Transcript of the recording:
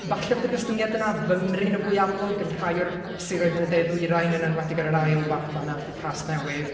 Falle fod y gostyngiad yna fymryn yn fwy amlwg yn rhai o'r siroedd yn y De Ddwyrain, yn enwedig ar yr ail fap fan'na, felly Casnewydd,